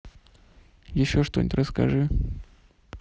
еще что нибудь расскажи